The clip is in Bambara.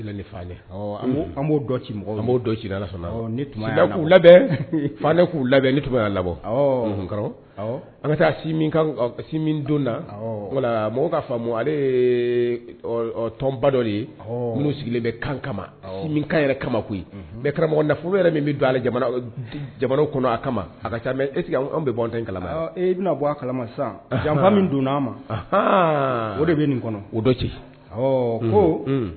K'u labɛn an ka ale tɔnonba dɔ de ye minnuu sigilen bɛ kan kama karamɔgɔf yɛrɛ min bɛ don jamanaw kɔnɔ a kama bɛ kala bɛna bɔ a kala sisan don'a ma o de bɛ nin o dɔ ci ko